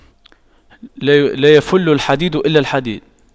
لا يَفُلُّ الحديد إلا الحديد